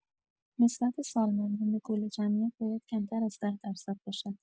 نسبت سالمندان به‌کل جمعیت باید کمتر از ۱۰ درصد باشد.